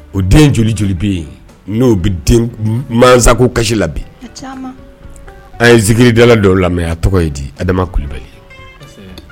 O den joli joli bɛ n'o bɛ masasago kasisi labɛn an yeiiri dala dɔw lamɛn a tɔgɔ ye di adama kulubali ye